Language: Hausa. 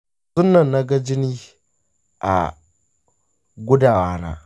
yanzunnan naga jini a gudawa na.